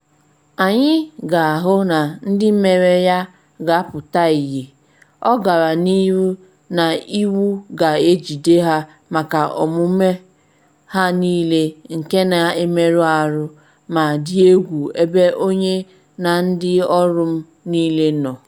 “Anyị ga-ahụ na ndị mere ya ga-apụta ihie,” ọ gara n’ihu “na iwu ga-ejide ha maka omume ha niile nke na-emerụ ahụ ma dị egwu ebe onye na ndị ọrụ m niile nọ.